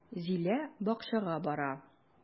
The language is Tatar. Зилә бакчага бара.